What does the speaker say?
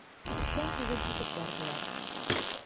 Күптән түгел китеп бардылар.